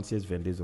An sen fɛn